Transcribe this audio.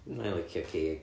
ma' hi'n licio cig.